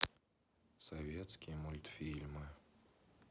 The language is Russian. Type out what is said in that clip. советские мультфильмы